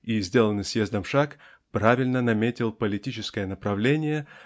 и сделанный съездом шаг правильно наметил политическое направление